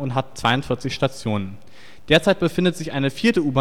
hat 42 Stationen. Derzeit befindet sich eine vierte